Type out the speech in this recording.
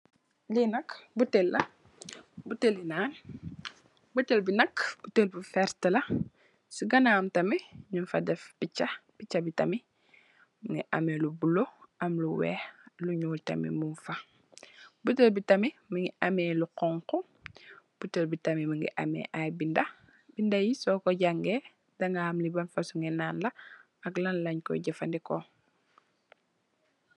Li nak buteel la, buteel li nan. Buteel bi nak, buteel bi vert la, ci ganaawam tamit nung fa def picha. Picha bi tamit mungi ameh bulo, am lu weeh, lu ñuul tamit mung fa. buteel bi tamit mungi ameh lu honku, buteel bi tamit mungi ameh ay binda. Binda yi soko jàngay daga ham li ban fasungi nan la ak lan leen koy jafadeko.